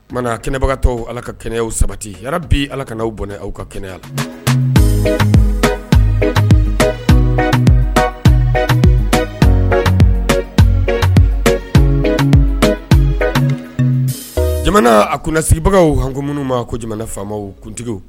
Kɛnɛbagatɔ ala ka kɛnɛyaw sabati a bi ala kana aw bɔnɛ aw ka kɛnɛya la jamana a kunsigibagaw hg minnu ma ko jamana faama kuntigi